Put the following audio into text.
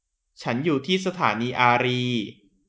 ฉันอยู่ที่สถานีอารีย์